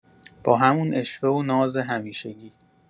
با همون عشوه و ناز همیشگی